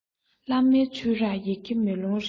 བླ མའི ཆོས རར ཡི གེ མེ ལོང རེད